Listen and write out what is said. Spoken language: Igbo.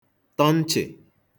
tọ̀ ntchị̀